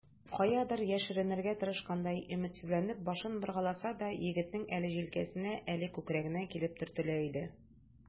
Каядыр яшеренергә тырышкандай, өметсезләнеп башын боргаласа да, егетнең әле җилкәсенә, әле күкрәгенә килеп төртелә иде.